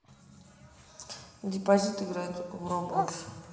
депозит играет в roblox